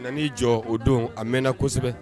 Nan'i jɔ o don a mɛnna kosɛbɛ